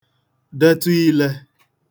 dètụ ile